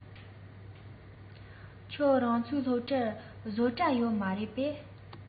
ཁྱོད རང ཚོའི སློབ གྲྭར བཟོ གྲྭ ཡོད མ རེད པས